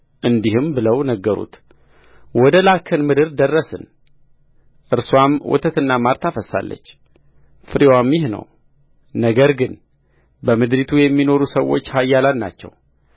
እንዲህም ብለው ነገሩት ወደ ላክኸን ምድር ደረስን እርስዋም ወተትና ማር ታፈስሳለች ፍሬዋም ይህ ነውነገር ግን በምድሪቱ የሚኖሩ ሰዎች ኃያላን ናቸው